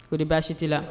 Ko baasi t' la